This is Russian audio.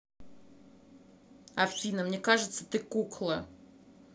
афина мне кажется ты кукла